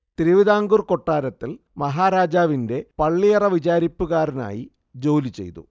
തിരുവിതാംകൂർ കൊട്ടാരത്തിൽ മഹാരാജാവിന്റെ പള്ളിയറ വിചാരിപ്പുകാരനായി ജോലി ചെയ്തു